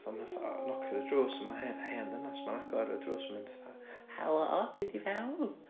fatha mae o fatha nocio ar y drws ma' he- hen ddynas... 'ma'n agor y drws mynd fatha "helo tyd i fewn"